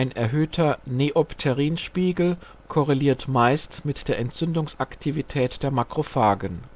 erhöhter Neopterin-Spiegel korreliert meist mit der Entzündungsaktivität der Makrophagen